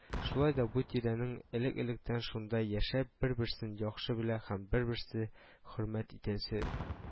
Шулай да бу тирәнең, элек-электән шунда яшәп, берсен-берсе яхшы белә һәм берсен-берсе хөрмәт итәсе